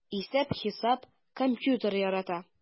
Исәп-хисап, компьютер ярата...